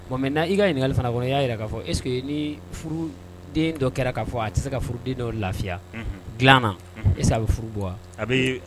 Bon maintenant i ka ɲininkali fana kɔnɔ,i y'a jira k'a fɔ est ce que ni furu den dɔ kɛra k'a fɔ a tɛ se ka furu den dɔ lafiya; unhun; dilan na; unhun; est ce que a bɛ furu bɔ wa?A bɛ